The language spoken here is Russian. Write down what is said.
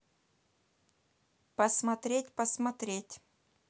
посмотреть посмотреть